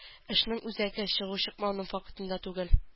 Эшнең үзәге чыгу-чыкмауның фактында түгел.